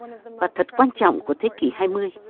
và thật quan trọng của thế kỷ hai mươi